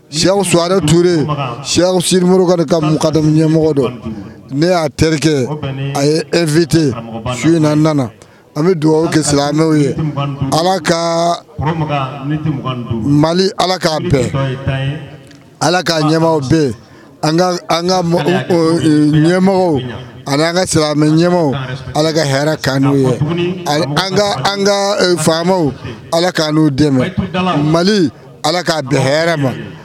Si suware tuure simuru ka ka mu kada ɲɛmɔgɔ dɔn ne y'a terikɛ a ye e vt suina nana an bɛ dugawu kɛ silamɛ'o ye ala ka mali ala k'a ala k ka ɲɛma bɛ ka ɲɛmɔgɔ an ka silamɛmɛ ɲɛma ala ka hɛ ka n'o ye ka faama ala k' n' den ma mali ala k'a di hɛ ma